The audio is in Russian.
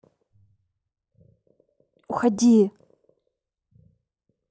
уходи